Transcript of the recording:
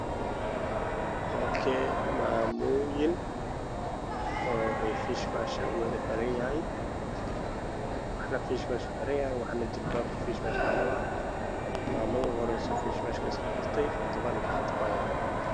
Waa hool waxaa iskugu imaaday gabdho iyo maamooyin qur-aan ay akhrinayaan kuraas guud ay ku fadhiyaan